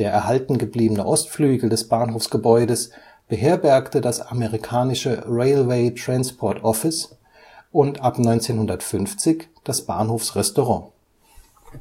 erhalten gebliebene Ostflügel des Bahnhofsgebäudes beherbergte das amerikanische Railway Transport Office und ab 1950 das Bahnhofsrestaurant. Die